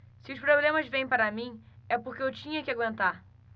se os problemas vêm para mim é porque eu tinha que aguentar